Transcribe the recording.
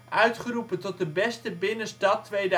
uitgeroepen tot de " beste Binnenstad 2007-2009